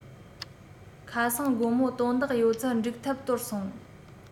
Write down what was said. ཁ སང དགོང མོ དོན དག ཡོད ཚད འགྲིག ཐབས དོར སོང